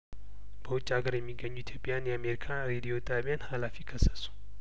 በውጭ አገር የሚገኙ ኢትዮጵያውያን የአሜሪካ ሬዲዮ ጣቢያን ሀላፊ ከሰሱ